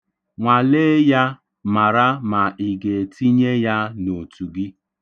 Nwalee ya mara ma ị ga-etinye ya n'otu gị.